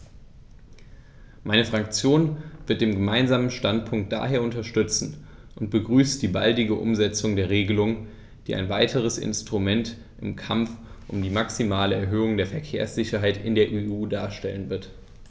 Meine Fraktion wird den Gemeinsamen Standpunkt daher unterstützen und begrüßt die baldige Umsetzung der Regelung, die ein weiteres Instrument im Kampf um die maximale Erhöhung der Verkehrssicherheit in der EU darstellen wird.